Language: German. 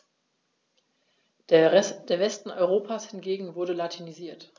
Der Westen Europas hingegen wurde latinisiert.